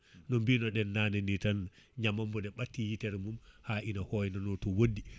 no binoɗen naneni tan ñamambo ne ɓatti yitere mum ha ina hoynono to woɗɗi